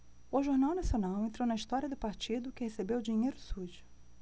o jornal nacional entrou na história do partido que recebeu dinheiro sujo